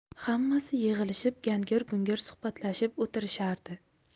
hammasi yig'ilishib gangir gungir suhbatlashib o'tirishardi